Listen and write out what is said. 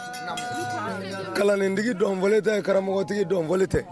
Kalandentigi dɔn fɔli tɛ karamɔgɔtigi dɔn fɔli tɛ